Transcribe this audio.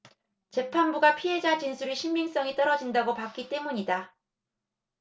재판부가 피해자 진술의 신빙성이 떨어진다고 봤기 때문이다